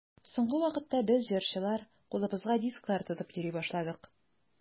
Соңгы вакытта без, җырчылар, кулыбызга дисклар тотып йөри башладык.